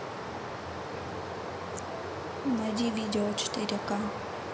найди видео четыре к